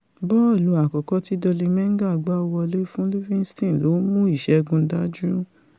Bọ́ọ̀lù àkọ́kọ́ tí Dolly Menga gbá wọlé fún Livingston ló mú ìṣẹ́gun dájú